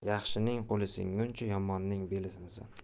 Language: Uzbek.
yaxshining qo'li singuncha yomonning beli sinsin